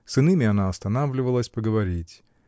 С иными она останавливалась поговорить.